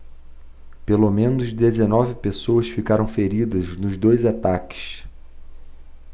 pelo menos dezenove pessoas ficaram feridas nos dois ataques